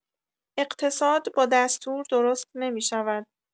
اقتصاد با دستور درست نمی‌شود.